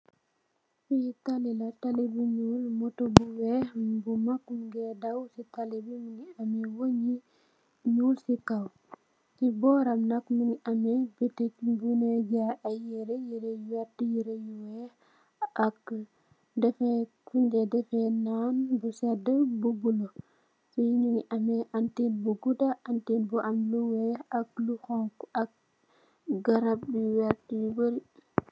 Fi taali taali nu nuul la moto bu weex moge daw si tali bi mogi ame wun bu nuul mung si kaw si boram nak mogi ame bitik btitk bu nyu jaye ay yere yere yu weex ak fun Dee defe naan bu seda bu bulo mogi ame antenn bu guda antenn bu weex bu xonxu ak garab yu werta yu bari.